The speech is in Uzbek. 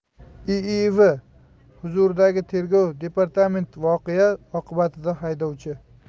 iiv huzuridagi tergov departamentivoqea oqibatida haydovchi